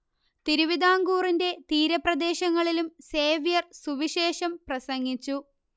തിരുവിതാംകൂറിന്റെ തീരപ്രദേശങ്ങളിലും സേവ്യർ സുവിശേഷം പ്രസംഗിച്ചു